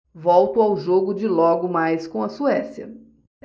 volto ao jogo de logo mais com a suécia